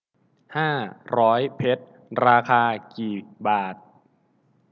ห้าร้อยเพชรราคากี่บาท